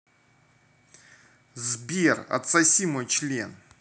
сбер отсоси мой член